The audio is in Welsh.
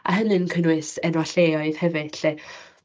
A hynny'n cynnwys enwau lleoedd hefyd 'lly,